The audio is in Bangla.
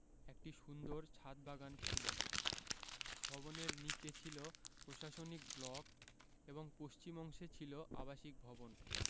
একটি সুন্দর ছাদ বাগান ছিল ভবনের নিচে ছিল প্রশাসনিক ব্লক এবং পশ্চিম অংশে ছিল আবাসিক ভবন